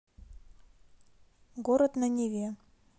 город на неве